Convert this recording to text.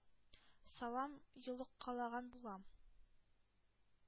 Салам йолыккалаган булам.